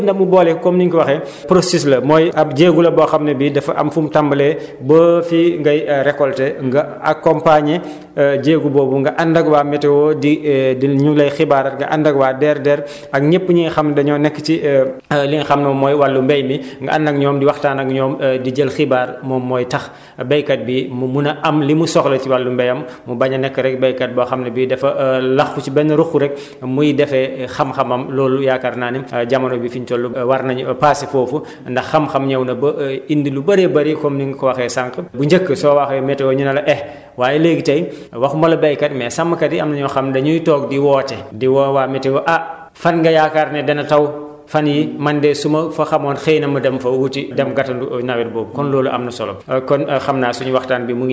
ay variétés yi nga xam ne moom lay faral di ji waaye loolu yëpp la mu boole comme ni nga ko waxee processus la mooy ab jéego la boo xam ne bii dafa am fu mu tàmbalee ba fii ngay récolter nga accompagner jéego boobu nga ànd ak waa météo di di ñu lay xibaaral nga ànd ak waa DRDR ak ñëpp ñi nga xam dañoo nekk ci li nga xam ne moom mooy wàllu mbéy mi nga ànd ak ñoom di waxtaan ak ñoom di jël xibaar moom mooy tax béykat bi mu mun a am li mu soxla si wàllu mbéyam mu bañ a nekk rek béykat boo xam ne bii dafa làqu ci benn ruqu rek muy defee xam-xamam loolu yaakaar naa ni jamono bi fi ñu toll war nañ passé foofu ndax xam-xam ñëw na ba indi lu bëree bëri comme ni nga ko waxee sànq bu njëkk soo waxee météo ñu ne la eh waaye léegi tey waxumala béykat mais sàmmkat yi am na ñoo xam dañuy toog di woote di woo waa météo ah fan nga yaakaar ne dana taw fan yii man di su ma fa xamoon xëy na ma dem fa wuti dem gatandu nawet googu